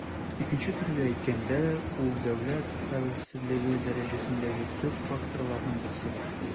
Икенче төрле әйткәндә, ул дәүләт хәвефсезлеге дәрәҗәсендәге төп факторларның берсе.